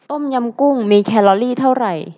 ต้มยำกุ้งมีแคลอรี่เท่าไหร่